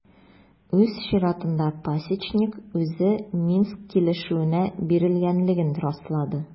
Үз чиратында Пасечник үзе Минск килешүенә бирелгәнлеген раслады.